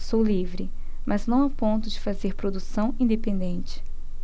sou livre mas não a ponto de fazer produção independente